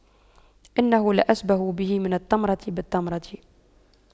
إنه لأشبه به من التمرة بالتمرة